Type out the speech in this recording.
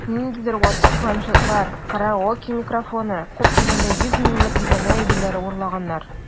Ниндидер ватык планшетлар, караоке микрофоны(!), күп дигәндә 100 меңлек бизәнү әйберләре урлаганнар...